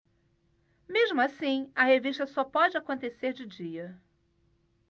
mesmo assim a revista só pode acontecer de dia